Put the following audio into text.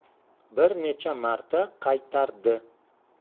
bir necha marta qaytardi